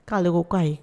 K'aale ko k'a ye